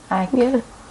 Ac... Ie.